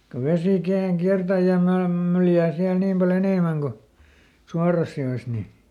kun vesi kerran kiertää ja maan myljää siellä niin paljon enemmän kuin suorassa joessa niin